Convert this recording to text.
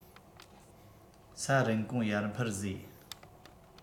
ས རིན གོང ཡར འཕར བཟོས